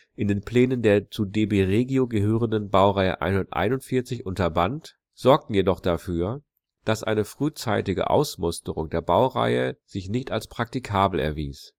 in den Plänen der zu DB Regio gehörenden Baureihe 141 unterband, sorgten jedoch dafür, dass eine frühzeitige Ausmusterung der Baureihe sich als nicht praktikabel erwies